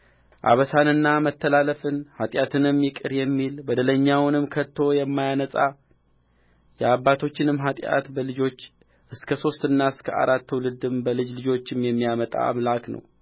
አበሳንና መተላለፍን ኃጢአትንም ይቅር የሚል በደለኛውንም ከቶ የማያነጻ የአባቶችንም ኃጢአት በልጆች እስከ ሦስትና እስከ አራት ትውልድም በልጅ ልጆች የሚያመጣ አምላክ ነው